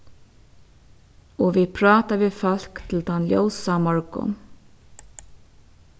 og vit práta við fólk til tann ljósa morgun